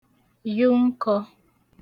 yụ nkọ̄